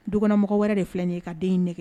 Dukɔnɔmɔgɔ wɛrɛ de filɛ ye ka den in nɛgɛ